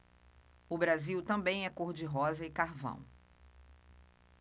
o brasil também é cor de rosa e carvão